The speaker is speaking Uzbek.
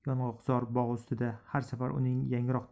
yong'oqzor bog' ustida har safar uning yangroq